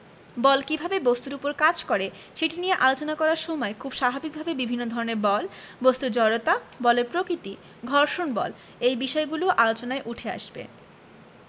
বল কীভাবে বস্তুর উপর কাজ করে সেটি নিয়ে আলোচনা করার সময় খুব স্বাভাবিকভাবেই বিভিন্ন ধরনের বল বস্তুর জড়তা বলের প্রকিতি ঘর্ষণ বল এই বিষয়গুলোও আলোচনায় উঠে আসবে